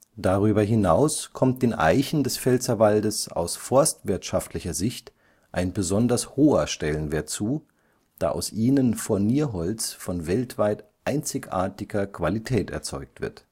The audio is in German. Darüber hinaus kommt den Eichen des Pfälzerwaldes aus forstwirtschaftlicher Sicht ein besonders hoher Stellenwert zu, da aus ihnen Furnierholz von weltweit einzigartiger Qualität erzeugt wird